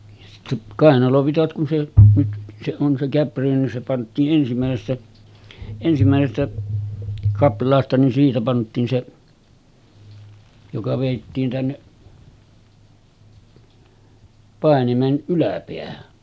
ja sitten kainalovitsat kun se nyt se on se käppyrä niin se pantiin ensimmäisestä ensimmäisestä kaplaasta niin siitä pantiin se joka vedettiin tänne painimen yläpäähän